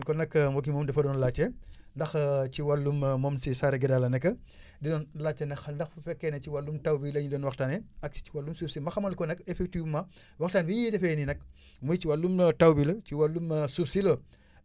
kon nga moo kii moom dafa doon laajte ndax ci wàllum moom si Sarageda la nekk di doon laajte ndax ndax bu fekkee ne si wàllum taw bi la ñu doon waxtaanee ak ci wàllum suuf si ma xamal ko nag effectivement waxtaan bii ñuy defee nii nag muy ci wàllum taw bi la ci wàllum suuf si la